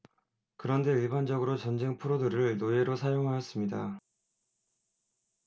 그런데 일반적으로 전쟁 포로들을 노예로 사용하였습니다